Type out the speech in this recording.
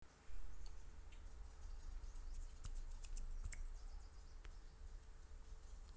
скажи сколько